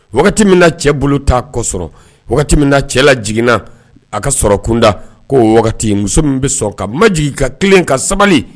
Wagati min na cɛ bolo tɛ a kɔ sɔrɔ wagati min na cɛ lajigin na, a ka sɔrɔkunda ko o wagati muso min bɛ sɔn k'a majigin , k'a tilen ka sabali